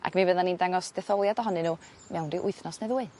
Ac mi fyddan ni'n dangos detholiad ohonyn n'w mewn ryw wythnos ne' ddwy.